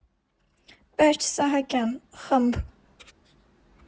Պերճ Սահակյան ֊ խմբ.